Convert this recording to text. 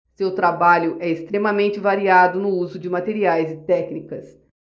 seu trabalho é extremamente variado no uso de materiais e técnicas